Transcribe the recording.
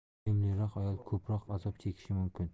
sevimliroq ayol ko'proq azob chekishi mumkin